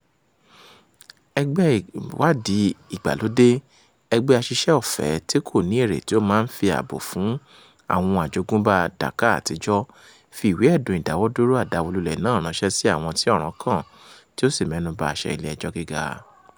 Urban Study Group, ẹgbẹ́ aṣiṣẹ́ ọ̀fẹ́-tí-kò-ní-èrè tí ó máa ń fi ààbò fún àwọn ohun àjogúnbá Dhaka Àtijọ́ fi ìwé ẹ̀dùn ìdáwọ́dúróo àdàwólulẹ̀ náà ránṣẹ́ sí àwọn tí ọ̀rán kàn, tí ó sì mẹ́nu ba àṣẹ Ilé-ẹjọ́ Gíga.